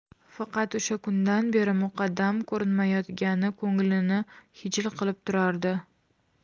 faqat o'sha kundan beri muqaddam ko'rinmayotgani ko'nglini xijil qilib turardi